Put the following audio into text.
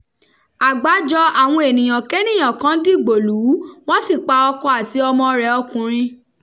Àgbájọ àwọn ènìyànkéènìà kan dìgbò lù ú, wọ́n sì pa ọkọ àti ọmọ rẹ̀ ọkùnrin.